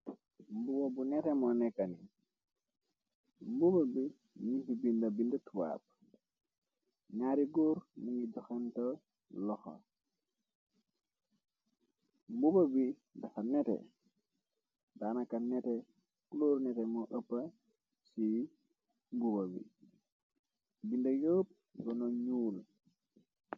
Mbuba bu nete mo nekani mbuba bi nifi binda binda twaab ñaari góor mingi joxante loxa mbuba bi dafa nete danaka nete clóor nete moo ëppa ci guba bi binda yëpp gono ñuul.